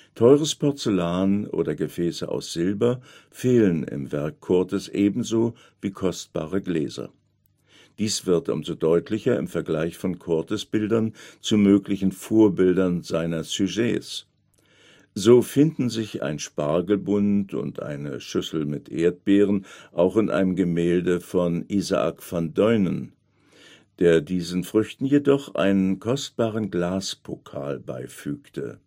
Teures Porzellan oder Gefäße aus Silber fehlen im Werk Coortes ebenso wie kostbare Gläser. Dies wird umso deutlicher im Vergleich von Coortes Bildern zu möglichen Vorbildern seiner Sujets. So finden sich ein Spargelbund und eine Schüssel mit Erdbeeren auch in einem Gemälde von Isaac van Duynen, der diesen Früchten jedoch einen kostbaren Glaspokal beifügte